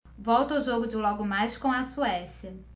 volto ao jogo de logo mais com a suécia